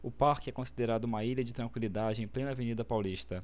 o parque é considerado uma ilha de tranquilidade em plena avenida paulista